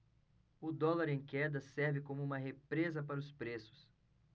o dólar em queda serve como uma represa para os preços